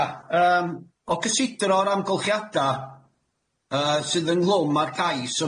Ia yym o gysidro'r amgylchiada yyy sydd ynghlwm â'r cais yma